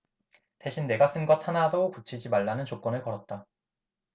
대신 내가 쓴 것 하나도 고치지 말라는 조건을 걸었다